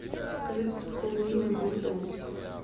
скажите церковное имя города омска